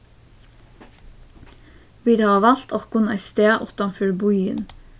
vit hava valt okkum eitt stað uttanfyri býin